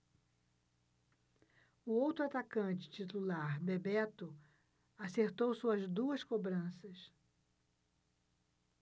o outro atacante titular bebeto acertou suas duas cobranças